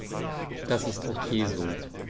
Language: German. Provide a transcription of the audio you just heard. Das ist ok so.